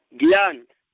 Giyani .